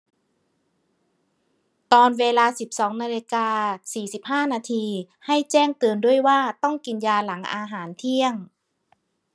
ตอนเวลาสิบสองนาฬิกาสี่สิบห้านาทีให้แจ้งเตือนด้วยว่าต้องกินยาหลังอาหารเที่ยง